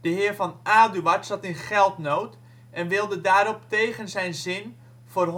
heer van Aduard zat in geldnood en wilde daarop tegen zijn zin voor